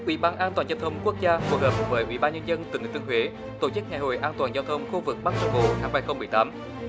ủy ban an toàn giao thông quốc gia phối hợp với ủy ban nhân dân tỉnh thừa thiên huế tổ chức ngày hội an toàn giao thông khu vực bắc trung bộ năm hai không mười tám